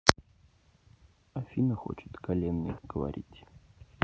афина хочет коленный говорить